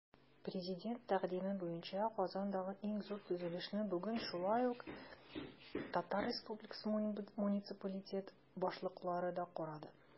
Президент тәкъдиме буенча Казандагы иң зур төзелешне бүген шулай ук ТР муниципалитет башлыклары да карады.